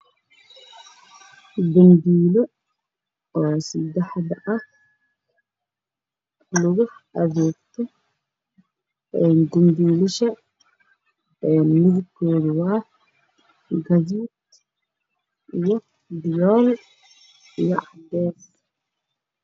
Meshan waxaa yaalo salado ka sameysan midabo cadaan gaduud iyo cadaan